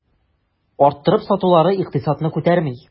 Арттырып сатулар икътисадны күтәрми.